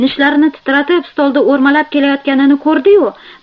nishlarini titratib stolda o'rmalab kelayotganini ko'rdi yu